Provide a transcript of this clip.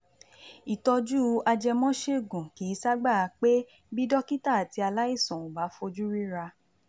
"Ìtọ́jú ajẹmọ́ṣègùn kìí sábà pé bí dókítà àti aláìsàn ò bá fojú ríra.